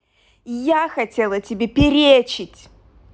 я хотела тебе перечить